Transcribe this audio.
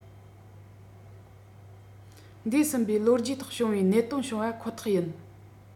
འདས ཟིན པའི ལོ རྒྱུས ཐོག བྱུང བའི གནད དོན བྱུང བ ཁོ ཐག ཡིན